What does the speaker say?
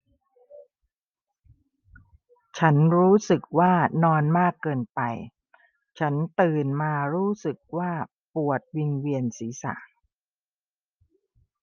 ฉันรู้สึกว่านอนมากเกินไปฉันตื่นมารู้สึกว่าปวดวิงเวียนศีรษะ